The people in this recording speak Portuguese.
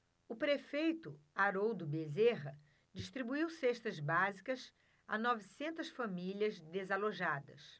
o prefeito haroldo bezerra distribuiu cestas básicas a novecentas famílias desalojadas